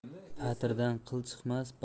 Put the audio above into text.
patirdan qil chiqmas